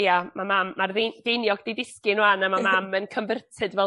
ia ma' mam ma'r ddi- geiniog 'di disgyn 'wan a ma' mam yn cynfertid fel